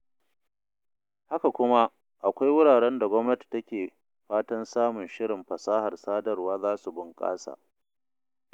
Haka kuma akwai wuraren da gwamnati take fatan sauran shirin fasahar sadarwa za su bunƙasa.